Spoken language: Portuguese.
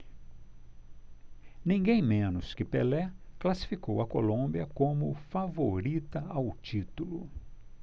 ninguém menos que pelé classificou a colômbia como favorita ao título